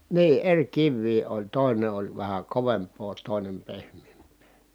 niin eri kiviä oli toinen oli vähän kovempaa toinen pehmeämpää